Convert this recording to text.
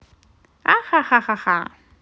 ахаха